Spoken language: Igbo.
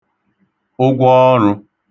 ụgwọọrụ̄